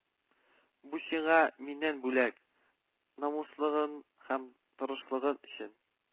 Бу сиңа миннән бүләк, намуслыгың һәм тырышлыгың өчен